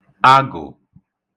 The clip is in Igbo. agụ̀